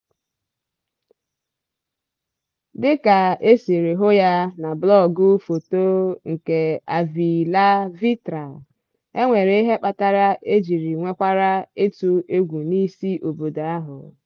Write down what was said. Dịka e siri hụ ya na blọọgụ foto nke avylavitra, e nwere ihe kpatara e jiri nwekwara ịtụ egwu n'isi obodo ahụ.